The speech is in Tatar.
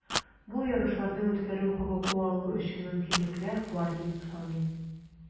Бу ярышларны үткәрү хокукы алу өчен мөмкинлекләр бар, дип саныйм.